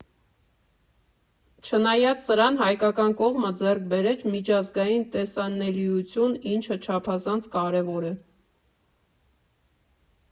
Չնայած սրան, հայկական կողմը ձեռք բերեց միջազգային տեսանելիություն, ինչը չափազանց կարևոր է։